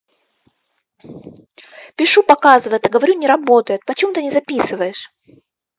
пишу показывает а говорю не работает почему ты не записываешь